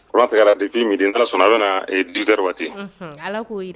Urantigɛ de bi miden n taara sɔrɔ a bɛna duda waati